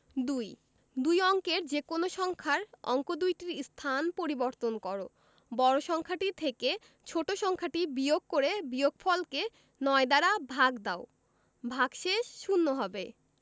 ২ দুই অঙ্কের যেকোনো সংখ্যার অঙ্ক দুইটির স্থান পরিবর্তন কর বড় সংখ্যাটি থেকে ছোট ছোট সংখ্যাটি বিয়োগ করে বিয়োগফলকে ৯ দ্বারা ভাগ দাও ভাগশেষ শূন্য হবে